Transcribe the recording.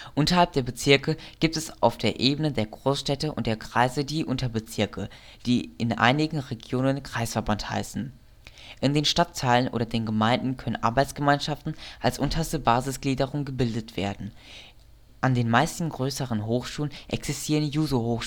Unterhalb der Bezirke gibt es auf der Ebene der Großstädte und der Kreise die Unterbezirke, die in einigen Regionen " Kreisverband " heißen. In den Stadtteilen oder den Gemeinden können Arbeitsgemeinschaften als unterste Basisgliederung gebildet werden. An den meisten größeren Hochschulen existieren Juso-Hochschulgruppen